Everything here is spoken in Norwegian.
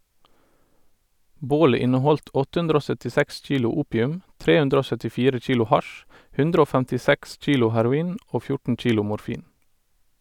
Bålet inneholdt åtte hundre og søttiseks kilo opium, tre hundre og søttifire kilo hasj , hundre og femtiseks kilo heroin og fjorten kilo morfin.